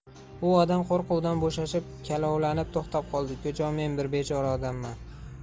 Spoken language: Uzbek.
u odam qo'rquvdan bo'shashib kalovlanib to'xtab qoldi ukajon men bir bechora odamman